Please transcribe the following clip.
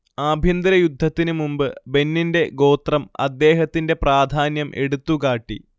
ആഭ്യന്തരയുദ്ധത്തിനുമുമ്പ് ബെന്നിന്റെ ഗോത്രം അദ്ദേഹത്തിന്റെ പ്രാധാന്യം എടുത്തുകാട്ടി